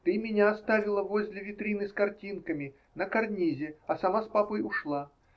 ***-- Ты меня оставила возле витрины с картинками, на карнизе, а сама с папой ушла.